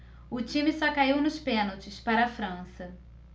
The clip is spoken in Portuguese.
o time só caiu nos pênaltis para a frança